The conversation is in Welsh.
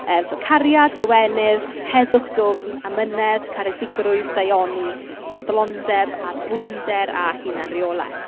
Yym so "cariad, llawenydd, heddwch dwfn, amynedd, caredigrwydd, daioni ffyddlondeb, addfwynder a hunanreolaeth."